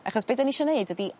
Achos be' 'dan ni isio neud ydi